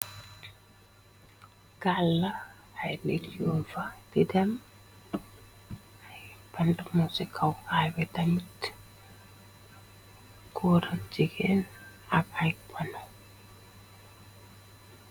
Gaal la ay nit yung fa didem, ay banti mung ci kaw aybe tamit. Goor ak jigeen ak ay pono.